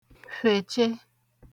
fhèche